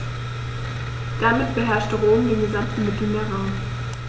Damit beherrschte Rom den gesamten Mittelmeerraum.